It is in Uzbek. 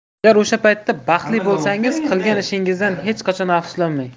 agar o'sha paytda baxtli bo'lsangiz qilgan ishingizdan hech qachon afsuslanmang